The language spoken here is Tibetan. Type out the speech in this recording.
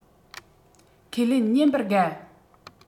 ཁས ལེན ཉན པར དགའ